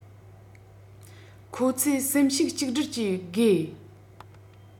ཁོ ཚོས སེམས ཤུགས གཅིག སྒྲིལ གྱིས དགོས